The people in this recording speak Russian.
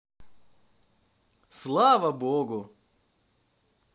слава богу